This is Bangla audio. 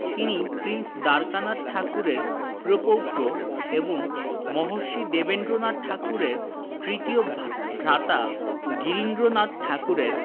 তিনি প্রিন্স দ্বারকানাথ ঠাকুরের প্রপৌত্র এবং মহর্ষি দেবেন্দ্রনাথ ঠাকুরের তৃতীয় ভ্রাতা গিরীন্দ্রনাথ ঠাকুরের